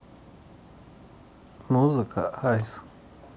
музыка ice